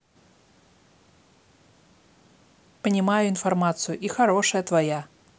понимаю информацию и хорошая твоя